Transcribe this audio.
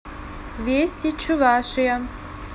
вести чувашия